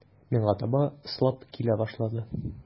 Миңа таба ыслап килә башлады.